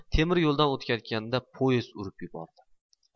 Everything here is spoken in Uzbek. temir yo'ldan o'tayotganda poezd urib yubordi